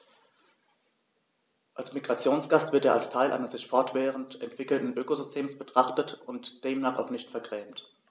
Als Migrationsgast wird er als Teil eines sich fortwährend entwickelnden Ökosystems betrachtet und demnach auch nicht vergrämt.